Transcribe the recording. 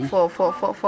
fo fo fo